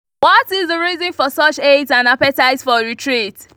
What is the reason for such hate and appetite for retreat?